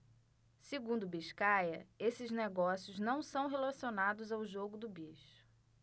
segundo biscaia esses negócios não são relacionados ao jogo do bicho